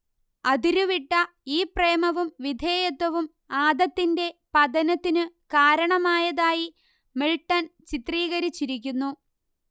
അതിരുവിട്ട ഈ പ്രേമവും വിധേയത്വവും ആദത്തിന്റെ പതനത്തിനു കാരണമായതായി മിൽട്ടൺ ചിത്രീകരിച്ചിരിക്കുന്നു